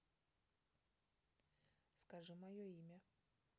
скажи мое имя